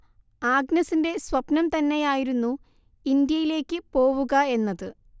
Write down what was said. ആഗ്നസിന്റെ സ്വപ്നം തന്നെയായിരുന്നു ഇന്ത്യയിലേക്കു പോവുക എന്നത്